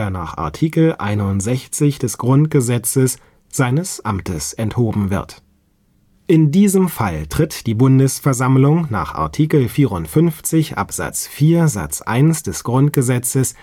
nach Artikel 61 des Grundgesetzes seines Amtes enthoben wird (siehe oben). In diesem Fall tritt die Bundesversammlung nach Artikel 54 Absatz 4 Satz 1 des Grundgesetzes